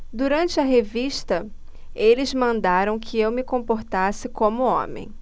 durante a revista eles mandaram que eu me comportasse como homem